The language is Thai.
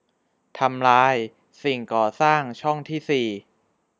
ทำลายสิ่งก่อสร้างช่องที่สี่